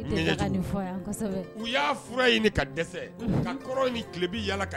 I delila ka ni fɔ yan kɔsɛbɛ. U ya fura ɲini ka dɛsɛ, k'a kɔron ni kilebi yala ka dɛ